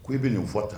K' e bɛ nin fɔ ta